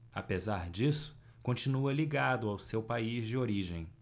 apesar disso continua ligado ao seu país de origem